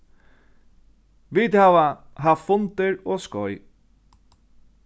vit hava havt fundir og skeið